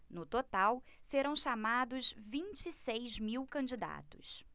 no total serão chamados vinte e seis mil candidatos